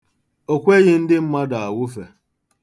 O kweghị ndị mmadụ awụfe.